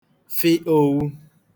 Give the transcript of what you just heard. fị ōwū